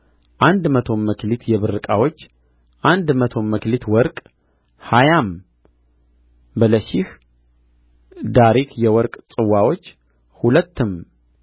አንድ መቶም መክሊት የብር ዕቃዎች አንድ መቶም መክሊት ወርቅ ሀያም ባለሺህ ዳሪክ የወርቅ ጽዋዎች ሁለትም